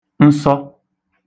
nsọ